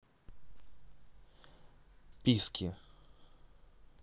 писки